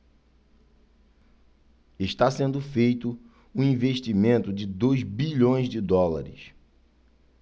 está sendo feito um investimento de dois bilhões de dólares